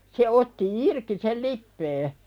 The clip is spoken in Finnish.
se otti irti sen lipeän